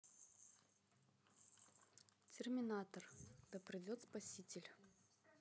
терминатор да придет спаситель